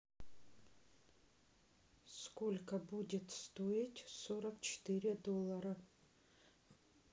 сколько будет стоить сорок четыре доллара